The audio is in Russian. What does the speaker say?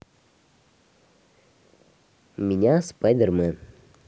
меня спайдермен